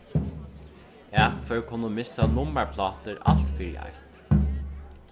akfør kunnu missa nummarplátur alt fyri eitt